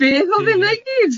Beth oedd e'n neud?